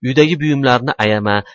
uydagi buyumlarni ayama